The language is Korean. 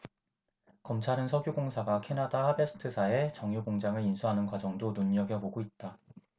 검찰은 석유공사가 캐나다 하베스트사의 정유공장을 인수하는 과정도 눈여겨보고 있다